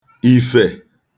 ìfè